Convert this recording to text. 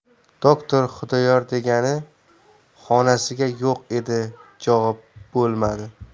doktor xudoyor degani xonasida yo'q edi javob bo'lmadi